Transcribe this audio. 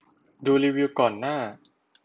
ดูรีวิวก่อนหน้า